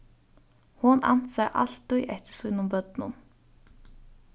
hon ansar altíð eftir sínum børnum